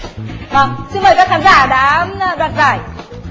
vâng xin mời các khán giả đã đoạt giải